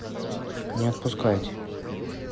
не отпускайте